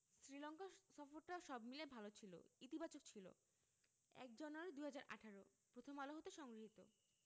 শ্রীলঙ্কা সফরটা সব মিলিয়ে ভালো ছিল ইতিবাচক ছিল ০১ জানুয়ারি ২০১৮ প্রথম আলো হতে সংগৃহীত